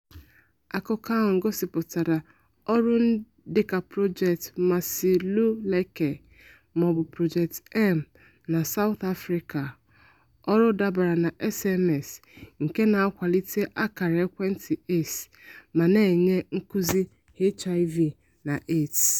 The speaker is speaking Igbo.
Akụkọ ahụ gosịpụtara ọrụ ndị dịka Project Masiluleke (maọbụ Project M) na South Africa, ọrụ dabere na SMS nke na-akwalite akara ekwentị AIDS ma na-enye nkụzi HIV/AIDS.